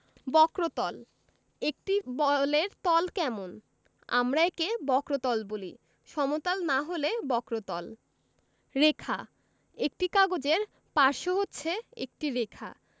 বক্রতলঃ একটি বলের তল কেমন আমরা একে বক্রতল বলি সমতল না হলে বক্রতল রেখাঃ একটি কাগজের পার্শ্ব হচ্ছে একটি রেখা